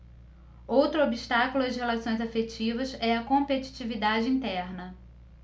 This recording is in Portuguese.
outro obstáculo às relações afetivas é a competitividade interna